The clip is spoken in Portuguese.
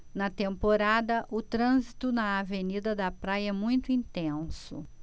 na temporada o trânsito na avenida da praia é muito intenso